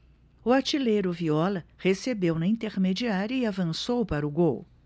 o artilheiro viola recebeu na intermediária e avançou para o gol